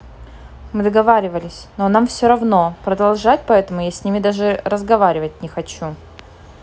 мы договаривались но нам все равно продолжать поэтому я с ним даже разговаривать не хочу